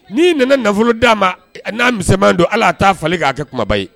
N'i nana nafolo d'a ma n'a misɛnman don hal'a t'a falen k'a kɛ kunbaba ye